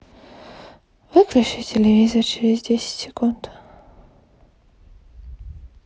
выключи телевизор через десять секунд